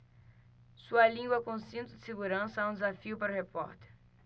sua língua com cinto de segurança é um desafio para o repórter